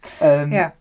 Yym. ... Ia.